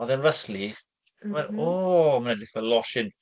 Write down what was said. Oedd e'n rustly a wedy-... M-hm. ...O! mae'n edrych fel losin.